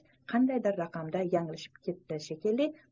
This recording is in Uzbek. qandaydir raqamda yanglishib ketdi shekilli